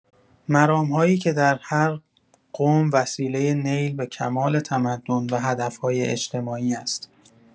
مرام‌هایی که در هر قوم وسیله نیل به کمال تمدن و هدف‌های اجتماعی است.